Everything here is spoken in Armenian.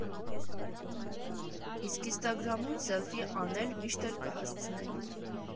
Իսկ ինստագրամում սելֆի անել միշտ էլ կհասցնենք։